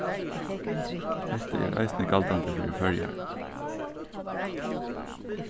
hetta er eisini galdandi fyri føroyar